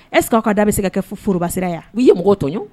Ɛs aw ka da bɛ se ka kɛ furubasira yan u ye mɔgɔ tɔɔn